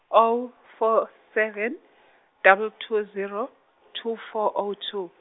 oh four seven, double two zero, two four oh two.